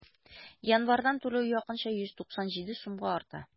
Январьдан түләү якынча 197 сумга арта.